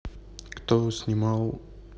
кто снимал